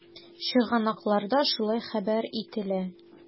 Чыганакларда шулай хәбәр ителә.